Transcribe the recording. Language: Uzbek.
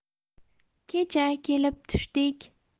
kecha kelib tushdik